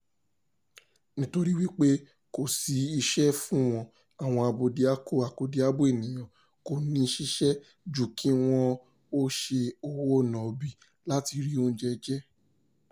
Nítorí wípé kò sí iṣẹ́ fún wọn, àwọn abódiakọ-akọ́diabo ènìyàn kò ní ṣíṣe ju kí wọn ó ṣe òwò nọ̀bì láti rí oúnjẹ òòjọ́.